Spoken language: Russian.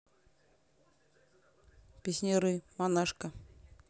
песняры монашка